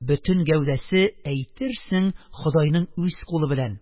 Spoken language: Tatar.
Бөтен гәүдәсе, әйтерсең, ходайның үз кулы белән,